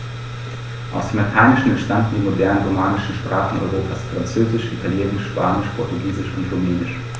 Aus dem Lateinischen entstanden die modernen „romanischen“ Sprachen Europas: Französisch, Italienisch, Spanisch, Portugiesisch und Rumänisch.